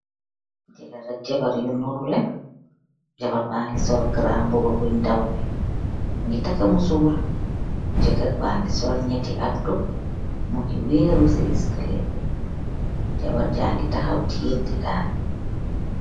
Jehkaar ak jabaar yuu ndiroreh, jabaar bageih sol garam mbubu bunj dawumeh mugeih taka musoor, jehkeer bageih sol nyehtti abduu mugeih wehruu ce exkaleh bi, jabarr bagi tahaw teyee degam bi.